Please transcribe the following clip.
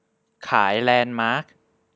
ขายแลนด์มาร์ค